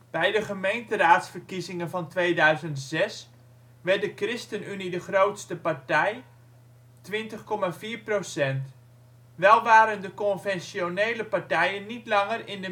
Bij de gemeenteraadsverkiezingen van 2006 werd de Christen Unie de grootste partij (20,4 %). Wel waren de confessionele partijen niet langer in